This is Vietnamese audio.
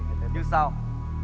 như sau